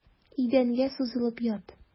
Идәнгә сузылып ят.